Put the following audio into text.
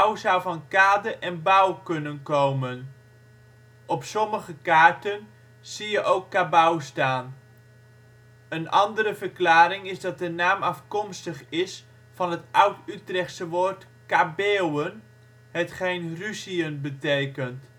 zou van kade en bouw kunnen komen. Op sommige kaarten zie je ook " Kabou " staan. Een andere verklaring is dat de naam afkomstig is van het oud-Utrechtse woord cabeeuwen, hetgeen ruziën betekent